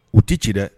U tɛ ci dɛ